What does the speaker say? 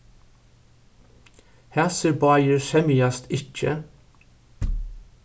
hasir báðir semjast ikki